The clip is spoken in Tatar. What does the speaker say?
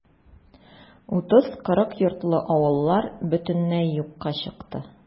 30-40 йортлы авыллар бөтенләй юкка чыкты.